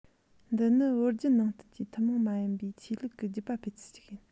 འདི ནི བོད བརྒྱུད ནང བསྟན གྱི ཐུན མོང མ ཡིན པའི ཆོས ལུགས རྒྱུད པ སྤེལ ཚུལ ཞིག ཡིན